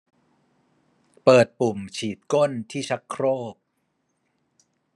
เปิดปุ่มฉีดก้นที่ชักโครก